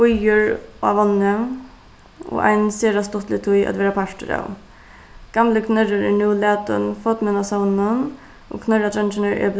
býur á vágni og ein sera stuttlig tíð at vera partur av gamli knørrur er nú latin fornminnissavninum og knørradreingirnir eru